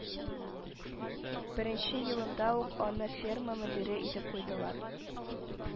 Беренче елында ук аны ферма мөдире итеп куйдылар